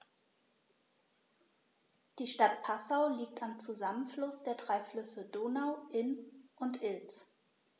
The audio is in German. Die Stadt Passau liegt am Zusammenfluss der drei Flüsse Donau, Inn und Ilz.